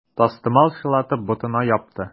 Тастымал чылатып, ботына япты.